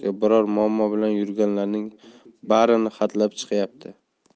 yoki biror muammo bilan yurganlarning barini hatlab chiqyapti